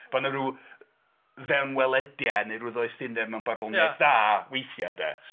Bo' 'na rhyw fewnwelediad neu rhyw ddoethineb mewn barddoniaeth dda, weithiau 'de.